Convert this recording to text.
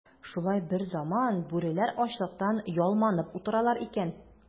Шулай берзаман бүреләр ачлыктан ялманып утыралар икән.